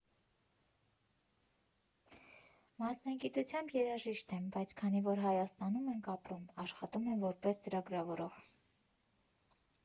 Մասնագիտությամբ երաժիշտ եմ, բայց քանի որ Հայաստանում ենք ապրում, աշխատում եմ որպես ծրագրավորող։